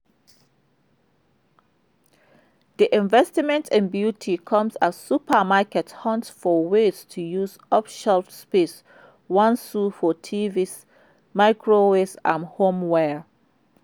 The investment in beauty comes as supermarkets hunt for ways to use up shelf space once sued for TVs, microwaves and homeware.